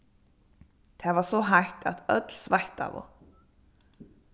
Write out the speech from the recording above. tað var so heitt at øll sveittaðu